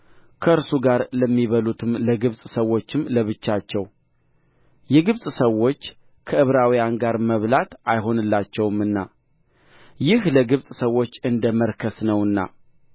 ከእርሱ ጋር ለሚበሉት ለግብፅ ሰዎችም ለብቻቸው የግብፅ ሰዎች ከዕብራውያን ጋር መብላት አይሆንላቸውምና ይህ ለግብፅ ሰዎች እንደ መርከስ ነውና